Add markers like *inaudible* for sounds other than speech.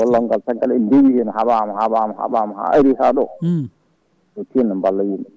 baalal ngal tant que tan eɗen deewi hen haaɓama haaɓama haaɓama ha ari ha ɗo *smacks lips* yo tinno mballa yimɓe